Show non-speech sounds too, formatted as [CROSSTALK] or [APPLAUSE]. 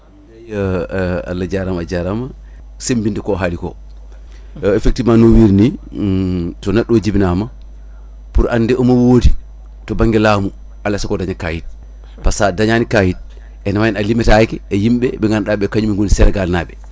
* [HESITATION] Allah jarama a jarama sembinde ko haaliko effectivement no wirini [HESITATION] so neɗɗo jibinama pour ande omo woodi to banggue laamu alay saago o daña kayit par ce que sa dañani kayit ene wayno a limetake e yimɓe ɓe ganduɗa ɓe kañumen goni Sénégal naaɓe